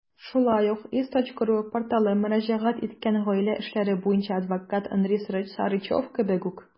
Шулай ук iz.ru порталы мөрәҗәгать иткән гаилә эшләре буенча адвокат Андрей Сарычев кебек үк.